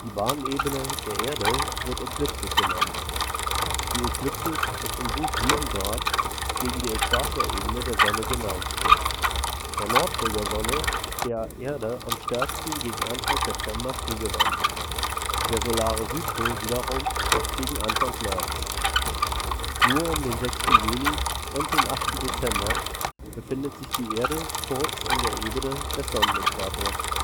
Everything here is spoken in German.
Bahnebene der Erde wird Ekliptik genannt. Die Ekliptik ist um gut 7° gegen die Äquatorebene der Sonne geneigt. Der Nordpol der Sonne ist der Erde am stärksten gegen Anfang September zugewandt, der solare Südpol wiederum gegen Anfang März. Nur um den 6. Juni und den 8. Dezember befindet sich die Erde kurz in der Ebene des Sonnenäquators